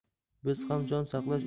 biz ham jon saqlash